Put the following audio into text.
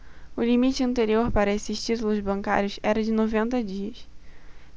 o limite anterior para estes títulos bancários era de noventa dias